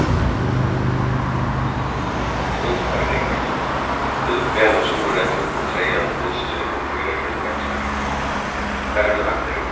rundkoyring fylg vegnum suðureftir og draga til vinstru um fýra kilometrar far til høgru